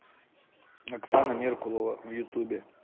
оксана меркулова в ютубе